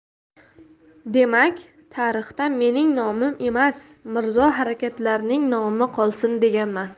demak tarixda mening nomim emas mirzo hazratlarining nomi qolsin deganmen